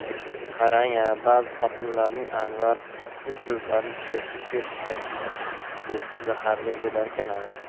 qarang a ba'zi xotinlarning anvar shu so'zlarni chertib chertib aytdi go'shti zaharli bo'larkan a